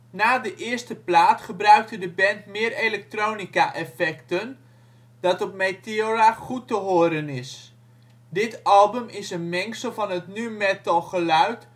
Na de eerste plaat gebruikte de band meer elektronica-effecten, dat op Meteora goed te horen is. Dit album is een mengsel van het nu-metal geluid